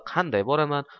qanday boraman